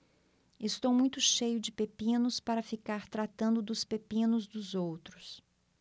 estou muito cheio de pepinos para ficar tratando dos pepinos dos outros